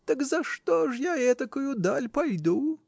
Так за что ж я этакую даль пойду?